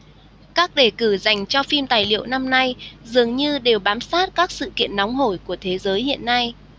các đề cử dành cho phim tài liệu năm nay dường như đều bám sát các sự kiện nóng hổi của thế giới hiện nay